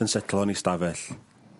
...yn setlo yn ei stafell